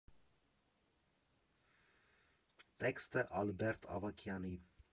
Տեքստը՝ Ալբերտ Ավագյանի։